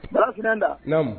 Baarafin da naamumu